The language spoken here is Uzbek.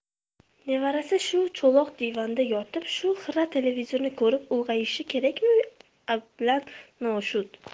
nevarasi shu cho'loq divanda yotib shu xira televizorni ko'rib ulg'ayishi kerakmi ablah noshud